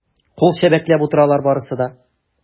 Кул чәбәкләп утыралар барысы да.